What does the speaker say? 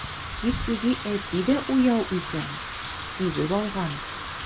Тик үги әти дә уяу икән, сизеп алган.